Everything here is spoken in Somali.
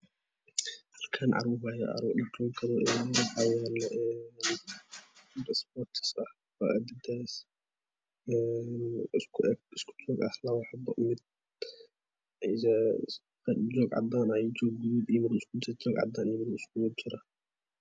Halkaani carwo waaye dharka lugu gado. waxaa yaalo dhar isboortis ah oo isku joog ah iskuna eg. Joog cadaan ah iyo joog gaduud ah iskugu jira.